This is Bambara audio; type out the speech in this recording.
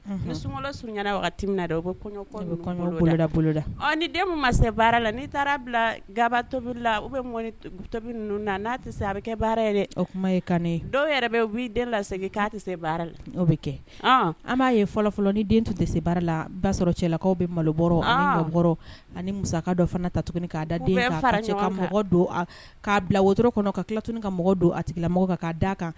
Ni sun sunjataɲɛna wagati min na dɛ u bɛ kɔɲɔda bolola ni den ma se baara la ni taara bila gatobilirila u bɛ ŋɔnitobibili na n'a tɛ se a bɛ kɛ baara yɛrɛ o kuma ye kan dɔw yɛrɛ bɛ wuli den lasese'a tɛ se baara la bɛ kɛ an b'a ye fɔlɔ fɔlɔ ni den tun tɛ se baara la ba sɔrɔ cɛlakaw bɛ malo ani mu dɔ fana ta tuguni k'a da den fara cɛ ka mɔgɔw don a k'a bila wooro kɔnɔ ka ki tilat ka mɔgɔ don a tigila kan kaa d a kan